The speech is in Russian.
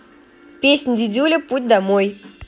песня дидюля путь домой